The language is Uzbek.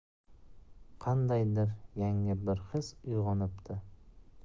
qandaydir yangi bir his uyg'onibdi